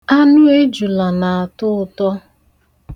Anụ ejula na-atọ ụtọ.